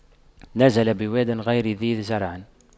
نزل بواد غير ذي زرع